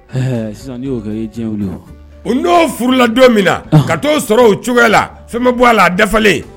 Ɛɛ sisan u n'o furula don min na ka t'o sɔrɔ o cogoya la fɛn bɛ bɔ a la alen